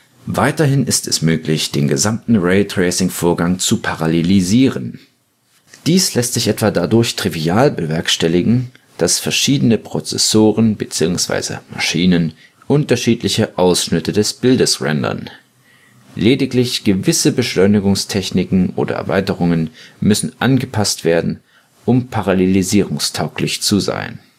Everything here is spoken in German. Weiterhin ist es möglich, den gesamten Raytracing-Vorgang zu parallelisieren. Dies lässt sich etwa dadurch trivial bewerkstelligen, dass verschiedene Prozessoren bzw. Maschinen unterschiedliche Ausschnitte des Bildes rendern. Lediglich gewisse Beschleunigungstechniken oder Erweiterungen müssen angepasst werden, um parallelisierungstauglich zu sein